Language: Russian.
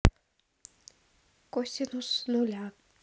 косинус нуля